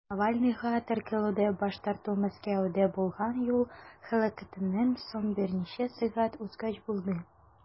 Навальныйга теркәлүдә баш тарту Мәскәүдә булган юл һәлакәтеннән соң берничә сәгать узгач булды.